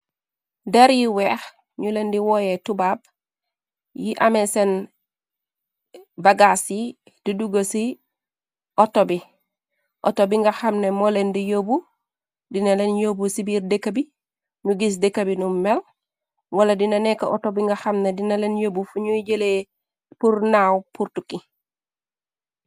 Der yi weex ñu lendi wooye tubaab yi ame seen bagaas yi didugo ci ato bi auto bi nga xamne moolen di yóbbu dina leen yobbu ci biir dëkkabi ñu gis dëkkabi nu mel wala dina nekk auto bi nga xamne dina leen yobb fuñuy jëlee purnaaw purtuki.